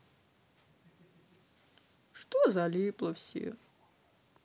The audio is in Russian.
что залипла все